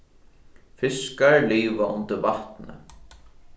fiskar liva undir vatni